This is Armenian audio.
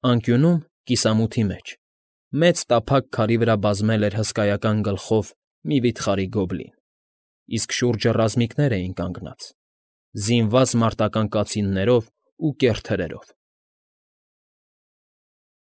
Անկյունում, կիսամութի մեջ, տափակ քարի վրա բազմել էր հսկայական գլխով մի վիթխարի գոբլին, իսկ շուրջը ռազմիկներ էին կանգնած՝ զինված մարտական կացիններով ու կեռ թրերով։